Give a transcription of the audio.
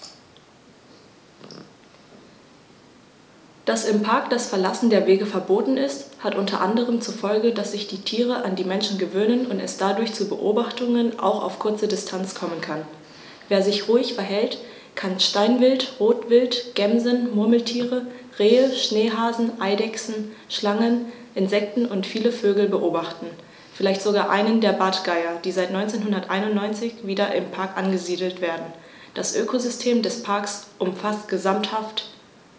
Dass im Park das Verlassen der Wege verboten ist, hat unter anderem zur Folge, dass sich die Tiere an die Menschen gewöhnen und es dadurch zu Beobachtungen auch auf kurze Distanz kommen kann. Wer sich ruhig verhält, kann Steinwild, Rotwild, Gämsen, Murmeltiere, Rehe, Schneehasen, Eidechsen, Schlangen, Insekten und viele Vögel beobachten, vielleicht sogar einen der Bartgeier, die seit 1991 wieder im Park angesiedelt werden. Das Ökosystem des Parks umfasst gesamthaft mehrere tausend Tier- und Pflanzenarten, von unscheinbaren Kleinstlebewesen bis zum Braunbär, der Ende Juli 2005, nach rund 90 Jahren Abwesenheit, wieder in der Schweiz gesichtet wurde.